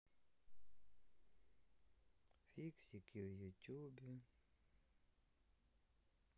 фиксики в ютубе